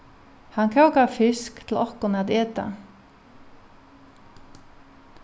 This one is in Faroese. hann kókar fisk til okkum at eta